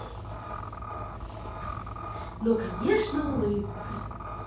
ну конечно улыбка